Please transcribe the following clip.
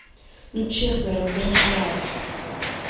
ну честно раздражаешь